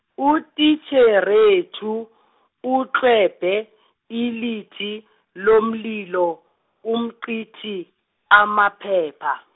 utitjherethu , utlwebhe, ilithi, lomlilo, umcithi, amaphepha.